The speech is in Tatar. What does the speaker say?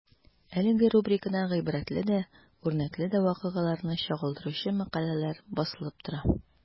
Әлеге рубрикада гыйбрәтле дә, үрнәкле дә вакыйгаларны чагылдыручы мәкаләләр басылып тора.